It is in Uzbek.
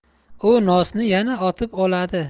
u nosni yana otib oladi